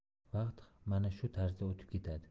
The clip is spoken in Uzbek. vaqt mana shu tarzda o'tib ketadi